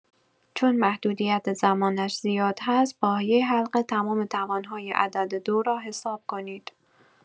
چون محدودیت زمانش زیاد هست، با یه حلقه تمام توان‌های عدد دو رو حساب کنید.